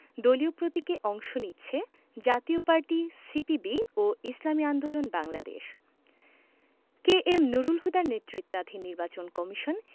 দলীয় প্রতীকে অংশ নিচ্ছে জাতীয় পার্টি সিপিবি ও ইসলামী আন্দোলন বাংলাদেশ কে এম নুরুল হুদার নেতৃত্বাধীন নির্বাচন কমিশন